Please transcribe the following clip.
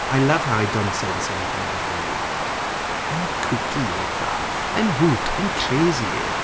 I love how I don't say the same thing every week. I'm kooky like that. I'm a hoot. I'm crazy.